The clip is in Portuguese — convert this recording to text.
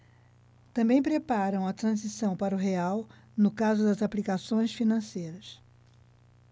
também preparam a transição para o real no caso das aplicações financeiras